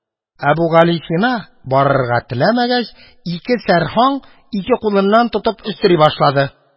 Әбүгалисина барырга теләмәгәч, ике сәрһаң ике кулыннан тотып өстери башлады.